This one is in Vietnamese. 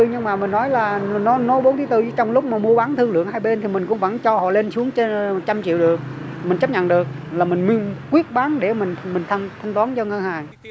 nhưng mà mình nói là nó nó bốn ký tự nhưng trong lúc mà mua bán thương lượng hai bên thì mình cũng vẫn cho họ lên xuống trên một trăm triệu được mình chấp nhận được là mình mừng quyết bán để mình mình thân thanh toán cho ngân hàng